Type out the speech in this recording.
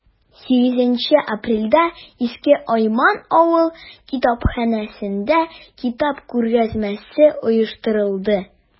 8 апрельдә иске айман авыл китапханәсендә китап күргәзмәсе оештырылды.